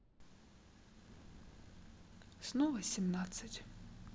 снова семнадцать